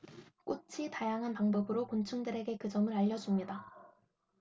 꽃이 다양한 방법으로 곤충들에게 그 점을 알려 줍니다